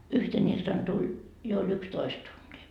yhtenä iltana tuli jo oli yksitoista tuntia